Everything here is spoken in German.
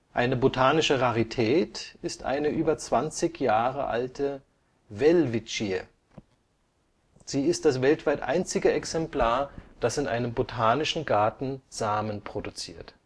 Eine botanische Rarität ist eine über 20 Jahre alte Welwitschie. Sie ist das weltweit einzige Exemplar, das in einem Botanischen Garten Samen produziert